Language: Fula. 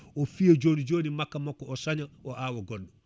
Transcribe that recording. o fiya joni joni makka makko o cooña o awa goɗɗo